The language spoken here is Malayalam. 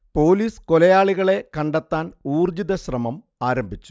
പോലീസ് കൊലയാളകളെ കണ്ടെത്താൻ ഊർജ്ജിത ശ്രമം ആരംഭിച്ചു